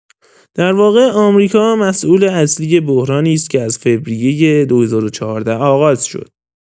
درواقع آمریکا مسئول اصلی بحرانی است که از فوریه ۲۰۱۴ آغاز شد.